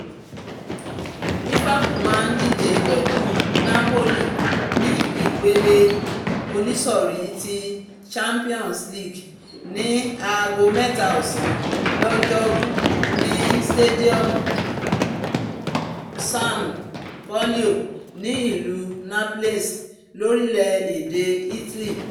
Liverpool máa díje pẹ̀lú Napoli ní ìpele oníṣọ̀rí ti Champions Líìgì ní aago mẹ́ta ọ̀sán lọ́jọ́ rú ní Stadio San Paolo ni ìlú Naples, lórílẹ̀-èdè Ítálì.